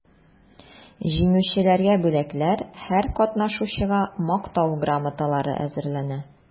Җиңүчеләргә бүләкләр, һәр катнашучыга мактау грамоталары әзерләнә.